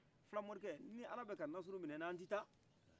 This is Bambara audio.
fila mɔrikɛ n' ala bɛ ka nasuru min'ila an ti taa